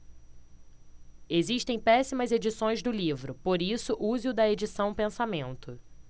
existem péssimas edições do livro por isso use o da edição pensamento